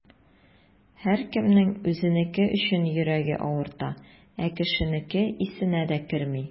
Һәркемнең үзенеке өчен йөрәге авырта, ә кешенеке исенә дә керми.